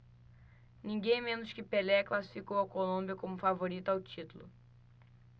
ninguém menos que pelé classificou a colômbia como favorita ao título